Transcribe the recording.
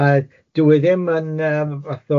Yy dyw e ddim yn yym fath o